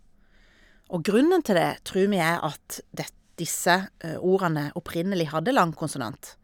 Og grunnen til det tror vi er at dett disse ordene opprinnelig hadde lang konsonant.